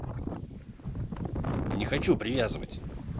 не хочу привязывать